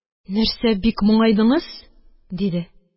Нәрсә бик моңайдыңыз? – диде